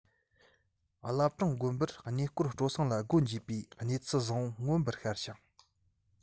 བླ བྲང དགོན པར གནས སྐོར སྤྲོ གསེང ལ སྒོ འབྱེད པའི གནས ཚུལ བཟང བོ མངོན པར ཤར ཞིང